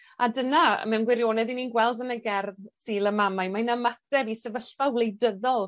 A dyna mewn gwirionedd 'yn ni'n gweld yn y gerdd Sul y Mamau mae'n ymateb i sefyllfa wleidyddol